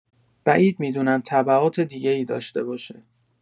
بعید می‌دونم تبعات دیگه‌ای داشته باشه.